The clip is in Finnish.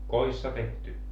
kodissa tehty